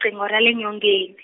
-qingho ra le nyongeni.